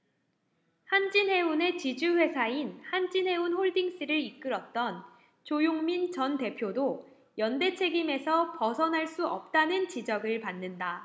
한진해운의 지주회사인 한진해운홀딩스를 이끌었던 조용민 전 대표도 연대 책임에서 벗어날 수 없다는 지적을 받는다